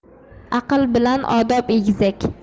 aql bilan odob egizak